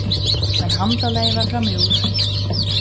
men handalagið var framúr